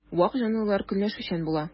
Вак җанлылар көнләшүчән була.